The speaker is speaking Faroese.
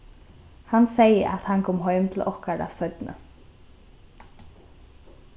hann segði at hann kom heim til okkara seinni